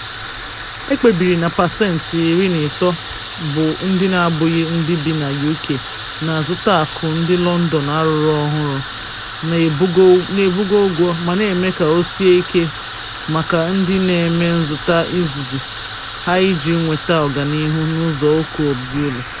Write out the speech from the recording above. Ekpebiri na pasentị 13 bụ ndị na abụghị ndị bi na UK na azụta akụ ndị London arụrụ ọhụrụ, na ebugo ụgwọ ma na eme ka o sie ike maka ndị na eme nzụta izizi ha iji nweta ọganihu n’nzọụkwụ obibi ụlọ.